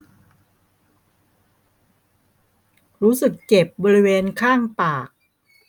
รู้สึกเจ็บบริเวณข้างปาก